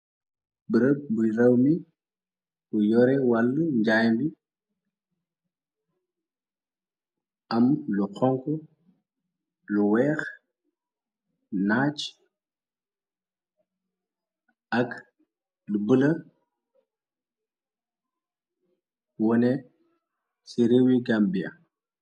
Bërëb buy raw mi bu yore wàll njaay bi am lu xonk lu weex naac ak lu bola wone ci réiwi gambia.